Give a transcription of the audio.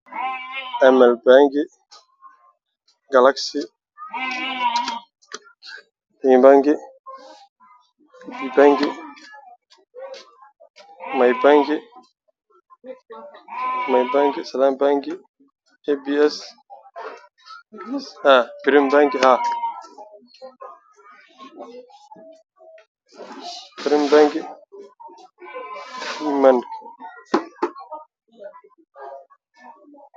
boor ay ku qoran yihiin salaama bank dahbshiil bank my bank iyo kuwo kale